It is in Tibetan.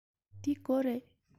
འདི སྒོ རེད